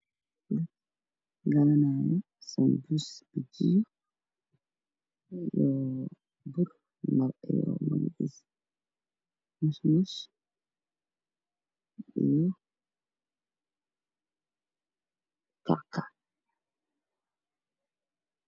Waa naago gadanaayo bur, sanbuus iyo kackac